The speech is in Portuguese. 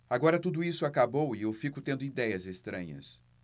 agora tudo isso acabou e eu fico tendo idéias estranhas